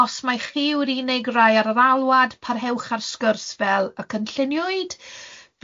Os mai chi yw'r unig rai ar yr alwad, parhewch â'r sgwrs fel y cynlluniwyd.